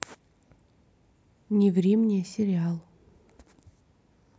не ври мне сериал